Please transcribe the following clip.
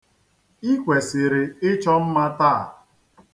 I kwesịrị ịchọ mma taa.